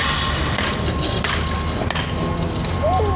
я уже все заказал